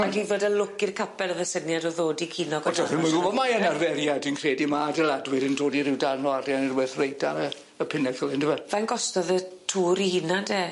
Ma' 'di fod yn lwc i'r capel efo syniad o ddodi cinog mae yn arferiad dwi'n credu ma' adeiladwyr yn dodi ryw darn o arian unrwbeth reit ar y y pinnacle on'd yw e? Faint gostodd y tŵr 'i hunan de?